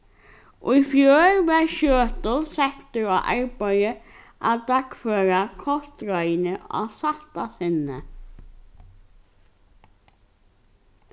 í fjør varð sjøtul settur á arbeiðið at dagføra kostráðini á sætta sinni